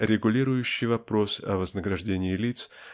регулирующей вопрос о вознаграждении лиц